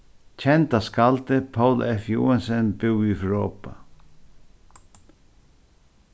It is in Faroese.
kenda skaldið poul f joensen búði í froðba